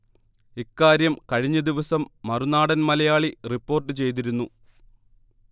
ഇക്കാര്യം കഴിഞ്ഞ ദിവസം മറുനാടൻ മലയാളി റിപ്പോർട്ട് ചെയ്തിരുന്നു